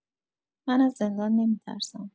من از زندان نمی‌ترسم!